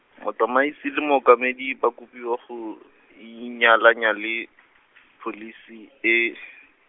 motsamaisi le mookamedi ba kopiwa go, inyalanya le , pholisi e.